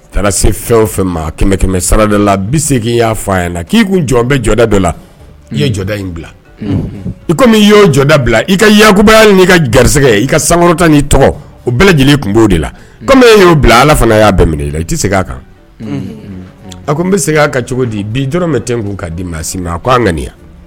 Taara se fɛn o fɛ ma kɛmɛ kɛmɛmɛ sara dɔ la bi se'i y'a yan la k'i' jɔn bɛ jɔda dɔ la i jɔda bila i komi y'o jɔda bila i ka yakubaya ni'i ka garisɛgɛ i ka sankɔrɔta n' tɔgɔ o bɛɛ lajɛlen tun b'o de la komi e y'o bila ala fana y'a bɛn minɛ i tɛ se'a kan a ko n bɛ se k'a ka cogo di bi jɔ bɛ tɛ k' k'a di maa si ma an kaani